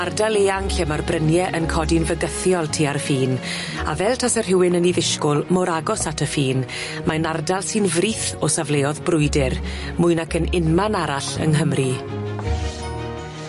Ardal eang lle ma'r brynie yn codi'n fygythiol tua'r ffin a fel tase rhywun yn 'i ddisgwl mor agos at y ffin mae'n ardal sy'n frith o safleodd brwydyr mwy nac yn unman arall yng Nghymru.